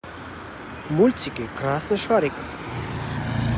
мультики красный шарик